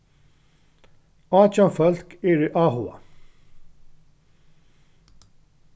átjan fólk eru áhugað